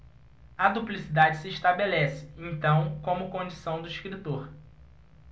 a duplicidade se estabelece então como condição do escritor